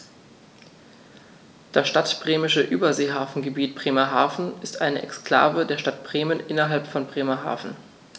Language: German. Das Stadtbremische Überseehafengebiet Bremerhaven ist eine Exklave der Stadt Bremen innerhalb von Bremerhaven.